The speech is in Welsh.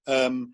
yym